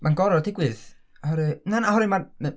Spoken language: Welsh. mae'n gorfod digwydd oherwydd na na oherwydd ma' m-